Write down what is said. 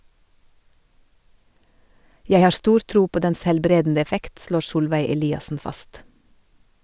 - Jeg har stor tro på dens helbredende effekt, slår Solveig Eliassen fast.